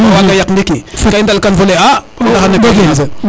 a waga yaq ndiki ka i ndalfo leye a ndaxar ne ka menancer